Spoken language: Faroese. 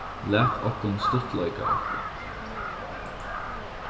lat okkum stuttleika okkum